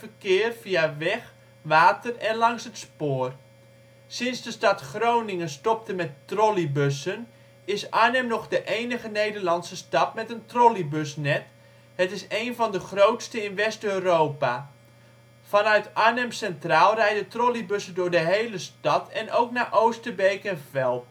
via weg, water en later het spoor. Sinds de stad Groningen stopte met trolleybussen is Arnhem nog de enige Nederlandse stad met een trolleybusnet; het is één van de grootste in West-Europa. Vanuit Arnhem Centraal rijden trolleybussen door de hele stad en ook naar Oosterbeek en Velp